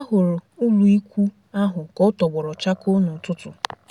Ha hụrụ ụlọikwu ahụ ka ọ tọgbọrọ chako n'ụtụtụ.